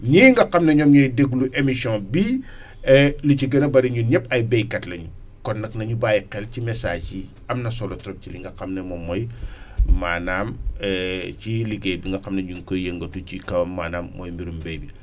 ñii nga xam ne ñoom ñooy déglu émission bii et li ci gën a bëri ñun ñëpp ay béykat lañu kon nag na ñu bàyyi xel ci messages yi am na solo trop ci li nga xam ne moom mooy maanaam ci liggéey bi nga xam ne mi ngi koy yëngatu ci kawam maanaam mooy mbirum béy mi